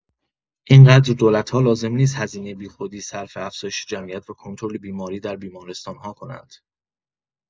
اینقدر دولت‌ها لازم نیست هزینه بیخودی صرف افزایش جمعیت و کنترل بیماری در بیمارستان‌ها کنند.